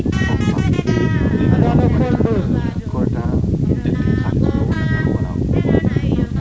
*